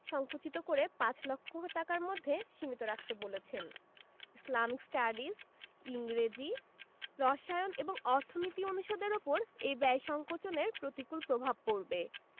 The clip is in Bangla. সংকুচিত করে পাঁচ লক্ষ টাকার মধ্যে সীমিত রাখতে বলেছেন ইসলামিক স্টাডিজ ইংরেজি রসায়ন এবং অর্থনীতি অনুষদের ওপর এ ব্যয় সংকোচনের প্রতিকূল প্রভাব পড়বে